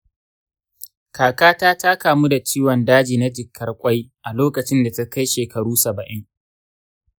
kakata ta kamu da ciwon daji na jikkar ƙwai a lokacin da ta kai shekaru saba'in